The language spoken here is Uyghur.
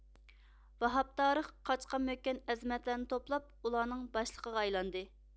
ۋاھاپ تارىخ قاچقان مۆككەن ئەزىمەتلەرنى توپلاپ ئۇلارنىڭ باشلىقىغا ئايلاندى